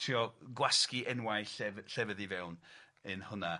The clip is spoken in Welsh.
Trio gwasgu enwau llef- llefydd i fewn in hwnna.